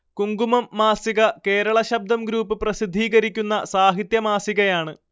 കുങ്കുമം മാസികകേരള ശബ്ദം ഗ്രൂപ്പ് പ്രസിദ്ധീകരിക്കുന്ന സാഹിത്യ മാസികയാണ്